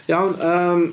Iawn. Yym...